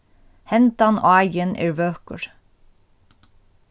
hendan áin er vøkur